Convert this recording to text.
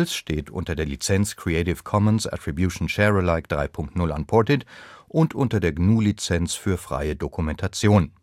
steht unter der Lizenz Creative Commons Attribution Share Alike 3 Punkt 0 Unported und unter der GNU Lizenz für freie Dokumentation